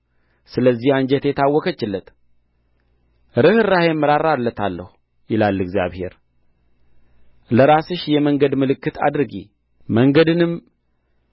ስለዚህ አንጀቴ ታወከችለት ርኅራኄም እራራለታለሁ ይላል እግዚአብሔር ለራስሽ የመንገድ ምልክት አድርጊ መንገድንም